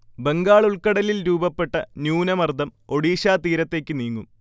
ബംഗാൾ ഉൾക്കടലിൽ രൂപപ്പെട്ട ന്യൂനമർദം ഒഡീഷാതീരത്തേക്ക് നീങ്ങും